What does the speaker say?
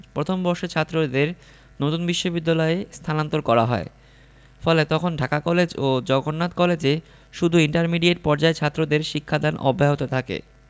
প্রথম বর্ষের ছাত্রদের নতুন বিশ্ববিদ্যালয়ে স্থানান্তর করা হয় ফলে তখন ঢাকা কলেজ ও জগন্নাথ কলেজে শুধু ইন্টারমিডিয়েট পর্যায়ের ছাত্রদের শিক্ষাদান অব্যাহত থাকে